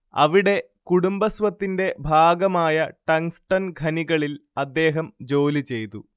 അവിടെ കുടുംബസ്വത്തിന്റെ ഭാഗമായ ടങ്ങ്സ്ടൻ ഖനികളിൽ അദ്ദേഹം ജോലിചെയ്തു